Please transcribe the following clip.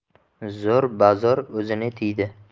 zo'r bazo'r o'zini tiydi